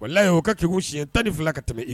Layi'o ka kku siɲɛ tan ni fila ka tɛmɛ i